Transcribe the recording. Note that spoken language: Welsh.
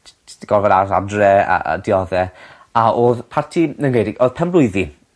t- t- sy 'di gorfo aros adre a a diodde. A odd parti odd pen blwydd fi